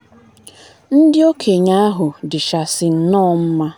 MKH: Ndị okenye ahụ dịchasi nnọọ mma.